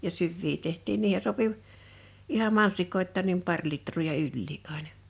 ja syviä tehtiin niihin sopi ihan mansikoitakin niin pari litraa ja ylikin aina